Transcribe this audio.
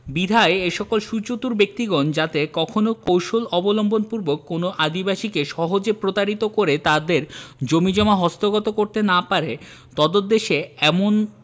বিধায় এসকল সুচতুর ব্যক্তিগণ যাতে কখনো কৌশল অবলম্বনপূর্বক কোনও আদিবাসীকে সহজে প্রতারিত করে তাদের জমিজমা হস্তগত করতে না পারে তদুদ্দেশে এমন